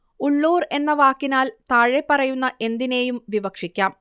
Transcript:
ഉള്ളൂർ എന്ന വാക്കിനാല് താഴെപ്പറയുന്ന എന്തിനേയും വിവക്ഷിക്കാം